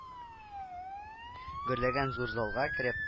Гөрләгән зур залга кереп